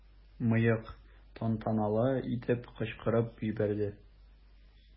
"мыек" тантаналы итеп кычкырып җибәрде.